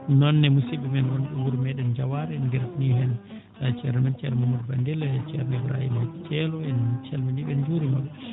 noon ne musidɓe men wonɓe wuro meeɗen Diawar enen mbeltanii heen haa ceerno men ceerno Mamadou Bandel e ceerno Ibrahima Ceelo en calminii ɓe en njuuriima ɓe